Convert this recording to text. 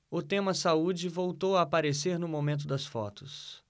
o tema saúde voltou a aparecer no momento das fotos